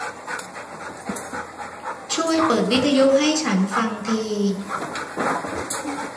ช่วยเปิดวิทยุให้ฉันฟังที